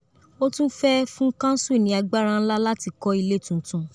Ó tún fẹ́ fún Kánsù ní agbára ńlá láti kọ́ ilé tuntun.